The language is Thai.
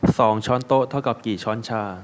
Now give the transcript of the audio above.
สองช้อนโต๊ะเท่ากับกี่ช้อนชา